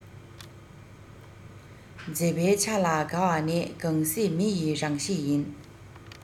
མཛེས པའི ཆ ལ དགའ བ ནི གང ཟག མི ཡི རང གཤིས ཡིན